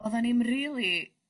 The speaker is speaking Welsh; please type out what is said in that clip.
oddan ni'm rili